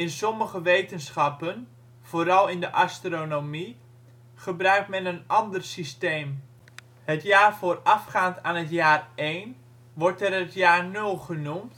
sommige wetenschappen (vooral in de astronomie) gebruikt men een ander systeem. Het jaar voorafgaand aan het jaar 1, wordt er het jaar 0